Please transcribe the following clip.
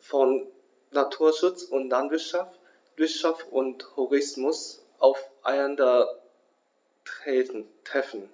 von Naturschutz und Landwirtschaft, Wirtschaft und Tourismus aufeinandertreffen.